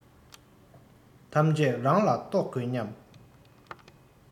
ཐམས ཅད རང ལ གཏོགས དགོས སྙམ